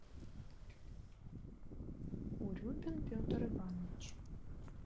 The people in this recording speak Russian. урюпин петр иванович